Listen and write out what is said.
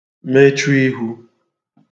mechu ihū